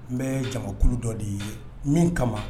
N bɛ jamukulu dɔ de ye min kama